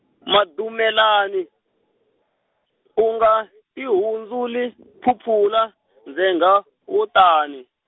Madumelani, u nga , tihundzuli, phuphula, ndzhengha, wo tani.